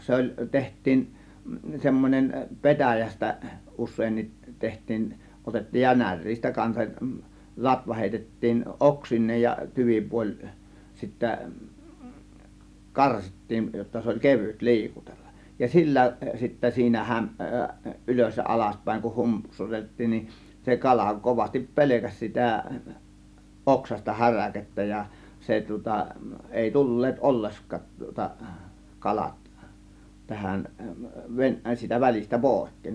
se oli tehtiin semmoinen petäjästä useinkin tehtiin otettiin ja näreistä kanssa latva heitettiin oksineen ja tyvipuoli sitten karsittiin jotta se oli kevyt liikutella ja sillä sitten siinä - ylös ja alaspäin kun - humpsutettiin niin se kala kovasti pelkäsi sitä oksaista häräkettä ja se tuota ei tulleet ollenkaan tuota kalat tähän - siitä välistä pois